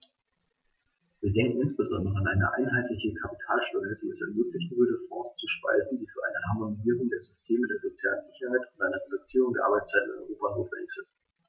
Wir denken insbesondere an eine einheitliche Kapitalsteuer, die es ermöglichen würde, Fonds zu speisen, die für eine Harmonisierung der Systeme der sozialen Sicherheit und eine Reduzierung der Arbeitszeit in Europa notwendig sind.